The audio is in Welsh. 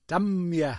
Damia!